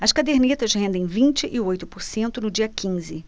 as cadernetas rendem vinte e oito por cento no dia quinze